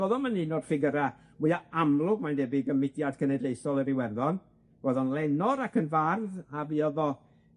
Do'dd o'm yn un o'r ffigyra' mwya amlwg mae'n debyg ym mudiad cenedlaethol yr Iwerddon, roedd o'n lenor ac yn fardd a fuodd o